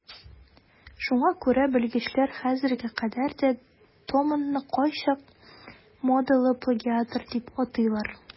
Шуңа күрә белгечләр хәзергә кадәр де Томонны кайчак модалы плагиатор дип атыйлар.